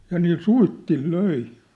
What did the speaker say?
ja niillä suitsilla löi